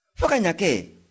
fo ka ɲɛ kɛ